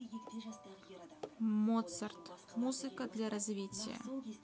моцарт музыка для развития